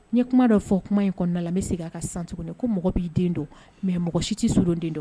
N ye kuma dɔw fɔ kuma in kɔnɔna la n bɛ se k'a ka san tuguni ko mɔgɔ b'i den don mɛ mɔgɔ si tɛ surun den don